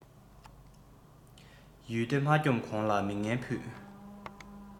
ཡུལ སྡེ མ འཁྱོམས གོང ལ མི ངན ཕུད